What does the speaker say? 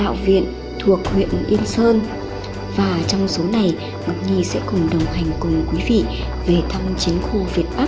đạo viện thuộc huyện yên sơn và trong số này ngọc nhi sẽ cùng đồng hành cùng quý vị về thăm chiến khu việt bắc